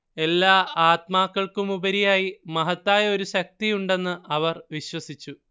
എല്ലാ ആത്മാക്കൾക്കുമുപരിയായി മഹത്തായ ഒരു ശക്തിയുണ്ടെന്ന് അവർ വിശ്വസിച്ചു